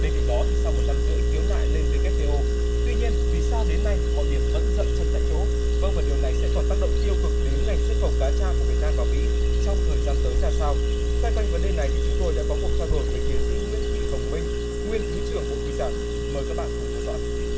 bên cạnh đó thì sau một năm rưỡi khiếu nại lên vê kép tê ô tuy nhiên vì sao đến nay mọi việc vẫn giậm chân tại chỗ vâng và điều này sẽ còn tác động tiêu cực đến ngành xuất khẩu cá tra của việt nam vào mỹ trong thời gian tới ra sao xoay quanh vấn đề này thì chúng tôi đã có cuộc trao đổi với tiến sĩ nguyễn thị hồng minh nguyên thứ trưởng bộ thủy sản mời các bạn cùng theo dõi